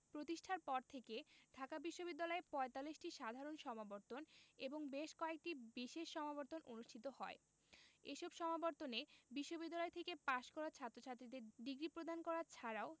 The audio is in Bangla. প্রতিষ্ঠার পর থেকে ঢাকা বিশ্ববিদ্যালয়ে ৪৫টি সাধারণ সমাবর্তন এবং বেশ কয়েকটি বিশেষ সমাবর্তন অনুষ্ঠিত হয় এসব সমাবর্তনে বিশ্ববিদ্যালয় থেকে পাশ করা ছাত্রছাত্রীদের ডিগ্রি প্রদান করা ছাড়াও